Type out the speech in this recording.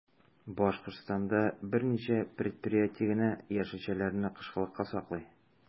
Башкортстанда берничә предприятие генә яшелчәләрне кышкылыкка саклый.